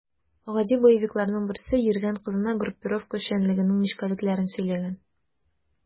Гади боевикларның берсе йөргән кызына группировка эшчәнлегенең нечкәлекләрен сөйләгән.